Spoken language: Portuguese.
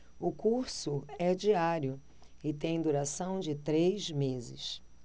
o curso é diário e tem duração de três meses